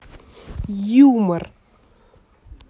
юмор